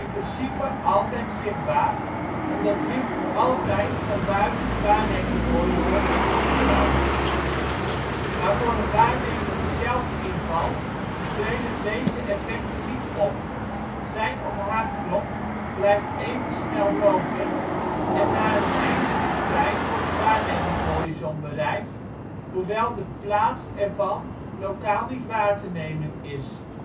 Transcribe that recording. principe altijd zichtbaar, omdat licht altijd van buiten de waarnemingshorizon naar binnen kan.) Maar voor een waarnemer die zelf invalt treden deze effecten niet op: zijn of haar klok blijft even snel lopen en na een eindige tijd wordt de waarnemingshorizon bereikt, hoewel de plaats ervan lokaal niet waar te nemen is. Helaas